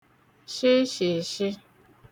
shịshịshị